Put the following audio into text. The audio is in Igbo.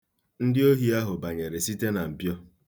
Ndị ohi ahụ banyere site na mpio.